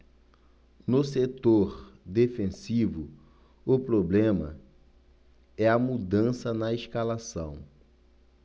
no setor defensivo o problema é a mudança na escalação